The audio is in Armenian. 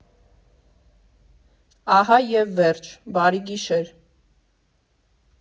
Ահա և վերջ, բարի գիշեր։